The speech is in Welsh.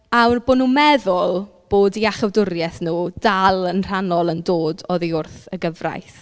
A w- bo' nhw'n meddwl bod iachawdwriaeth nhw dal yn rhannol yn dod oddi wrth y gyfraith.